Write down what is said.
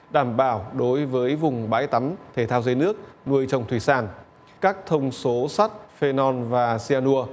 đảm bảo đối với vùng bãi tắm thể thao dưới nước nuôi trồng thủy sản các thông số sắt phê non và xi a nua